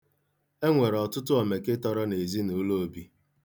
E nwere ọtụtụ omekịtọrọ n'ezinụlọ Obi.